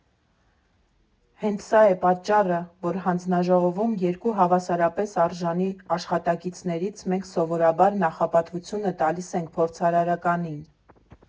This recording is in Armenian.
«Հենց սա է պատճառը, որ հանձնաժողովում երկու հավասարապես արժանի աշխատանքներից մենք սովորաբար նախապատվությունը տալիս ենք փորձարարականին»։